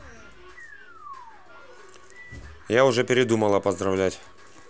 я уже передумала поздравлять